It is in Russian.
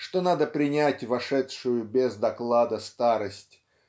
что надо принять вошедшую без доклада старость